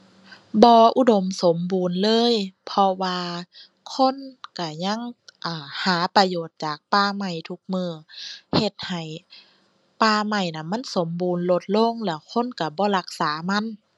บ่อุดมสมบูรณ์เลยเพราะว่าคนก็ยัง อ่า หาประโยชน์จากป่าไม้ทุกมื้อ เฮ็ดให้ป่าไม้น่ะมันสมบูรณ์ลดลงแล้วคนก็บ่รักษามัน